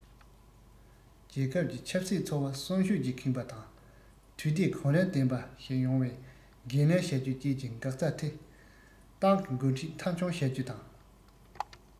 རྒྱལ ཁབ ཀྱི ཆབ སྲིད འཚོ བ གསོན ཤུགས ཀྱིས ཁེངས པ དང དུས བདེ གོ རིམ ལྡན པ ཞིག ཡོང བའི འགན ལེན བྱ རྒྱུ བཅས ཀྱི འགག རྩ དེ ཏང གི འགོ ཁྲིད མཐའ འཁྱོངས བྱ རྒྱུ དང